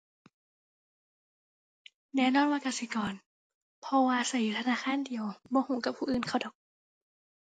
แน่นอนว่ากสิกร เพราะว่าใช้อยู่ธนาคารเดียว บ่ใช้กับผู้อื่นเขาดอก